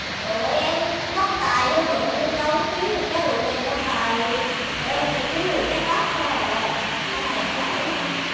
tụi em bất tài vô dụng đâu có kiếm được trái lựu mìn đâu thầy tụi em chỉ kiếm được trái cóc thôi à thôi thầy ăn đỡ nha